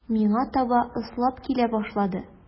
Миңа таба ыслап килә башлады.